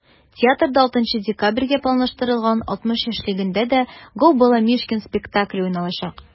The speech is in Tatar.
Театрда 6 декабрьгә планлаштырылган 60 яшьлегендә дә “Gо!Баламишкин" спектакле уйналачак.